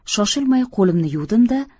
shoshilmay qo'limni yuvdim da